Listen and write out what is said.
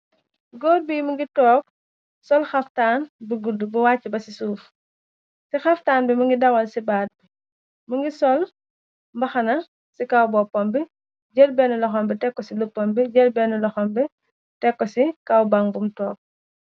Góor bi mu ngi took sol xaftaan bi gudd bu wàcc ba ci suuf, ci xaftaan bi mungi dawal ci baat bi, mungi sol mbaxana ci kaw boppam bi, jël benn loxam bi tekk ci luppam bi, jël benn loxambi tekku ci kaw ban bum tok.